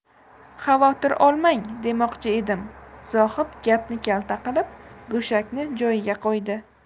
xavotir olmang demoqchi edim zohid gapni kalta qilib go'shakni joyiga qo'ydi